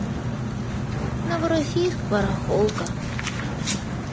новороссийск барахолка